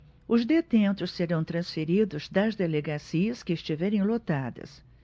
os detentos serão transferidos das delegacias que estiverem lotadas